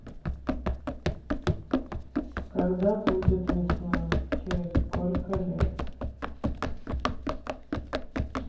когда будет весна через сколько лет